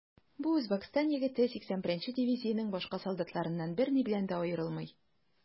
Бу Үзбәкстан егете 81 нче дивизиянең башка солдатларыннан берни белән дә аерылмый.